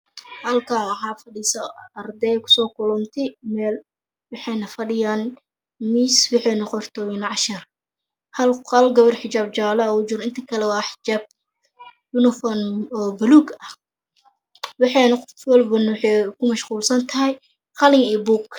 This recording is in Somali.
Halkaan waxaa fadhiso arday ku soo kulantay meel. Waxayna fadhiyaan miis waxayna qortaan cashir. Hal gabar xijaab jaalle ugu jiro inta kale waa xijaab uniform baluug ooah. Waxayna qof kas ku mashquulsan tahy qalin iyo buug.